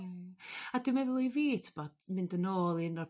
Hmm a dwi meddwl i fi t'bod, mynd yn ôl i un o'r